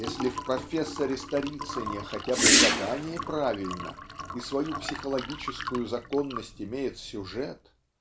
Если в "Профессоре Сторицыне" хотя бы задание правильно и свою психологическую законность имеет сюжет